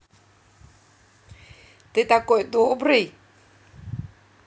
ты такой добрый